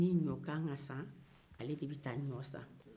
ni ɲɔ k'an ka san ale de bɛ taa ɲɔ san